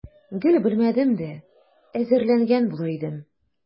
Гел белмәдем дә, әзерләнгән булыр идем.